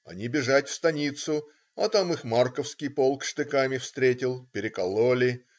Они бежать в станицу, а там их Марковский полк штыками встретил, перекололи.